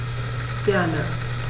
Gerne.